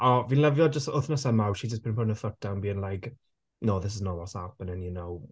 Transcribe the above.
O fi'n lyfio jyst wythnos yma how she's just been putting her foot down being like "No this is not what's happening" you know.